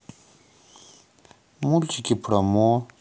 мультик про мо